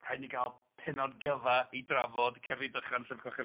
Rhaid ni gael pennod gyfa i drafod cerddi dychan Llyfr Coch Hergest.